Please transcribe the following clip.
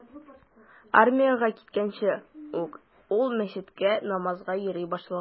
Армиягә киткәнче ук ул мәчеткә намазга йөри башлаган.